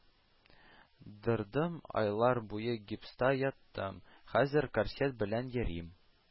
Дырдым, айлар буе гипста яттым, хәзер корсет белән йөрим